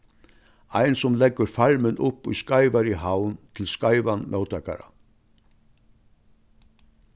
ein sum leggur farmin upp í skeivari havn til skeivan móttakara